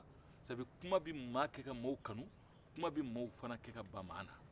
sadi kuman bɛ mɔgɔ kɛ ka mɔgɔw kan kuman bɛ mɔgɔw fana kɛ ka ban mɔgɔ